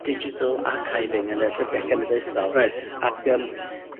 digital archiving yn y Llyfrgell Genedlaethol... Reit. ...Ac yym,